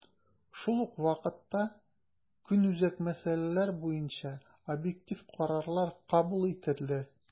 Шул ук вакытта, көнүзәк мәсьәләләр буенча объектив карарлар кабул ителде.